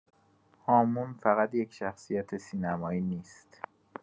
هامون فقط یک شخصیت سینمایی نیست؛